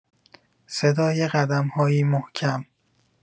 صدای قدم‌هایی محکم